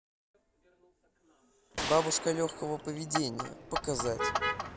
бабушка легкого поведения показать